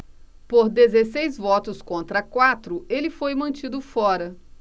por dezesseis votos contra quatro ele foi mantido fora